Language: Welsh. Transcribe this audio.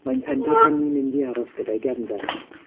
Mae'n penderfynu mynd i aros gyda'i gefnder.